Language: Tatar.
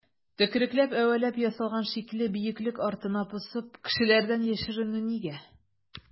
Төкерекләп-әвәләп ясалган шикле бөеклек артына посып кешеләрдән яшеренү нигә?